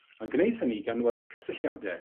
a'n gneud hynny gan weld cysylliade